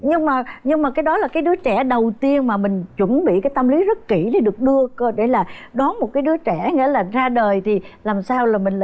nhưng mà nhưng mà cái đó là cái đứa trẻ đầu tiên mà mình chuẩn bị tâm lý rất kỹ để được đưa để là đón một cái đứa trẻ nghĩa là ra đời thì làm sao là mình